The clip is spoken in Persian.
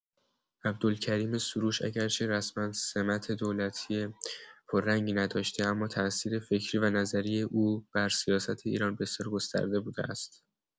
عبدالکریم سروش اگرچه رسما سمت دولتی پررنگی نداشته، اما تأثیر فکری و نظری او بر سیاست ایران بسیار گسترده بوده است.